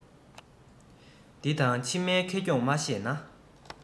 འདི དང ཕྱི མའི ཁེ གྱོང མ ཤེས ན